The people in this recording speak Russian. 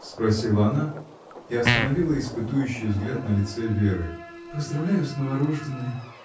— спросила она и остановила испытующий взгляд на лице Веры. — Поздравляю с новорожденной!